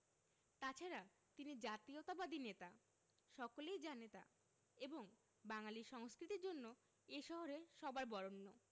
তাছাড়া তিনি জাতীয়তাবাদী নেতা সকলেই জানে তা এবং বাঙালী সংস্কৃতির জন্য এ শহরে সবার বরেণ্য